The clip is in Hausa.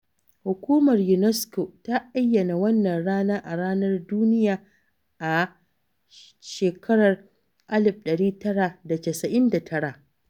Hukumar UNESCO ta ayyana wannan rana da Ranar Duniya a 1999.